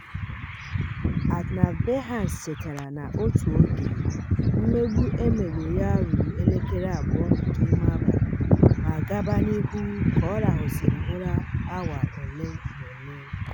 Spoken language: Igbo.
Atnaf Berhane chetara na otu oge mmegbu e megburu ya ruru elekere 2 nke ime abalị ma gaba n'ihu ka ọ rahụsịrị ụra awa ole na ole.